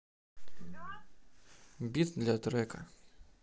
бит для трека